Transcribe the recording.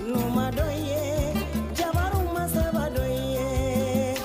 Yomadon ye ja ma sabadon ye